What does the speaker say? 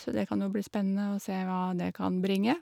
Så det kan jo bli spennende å se hva det kan bringe.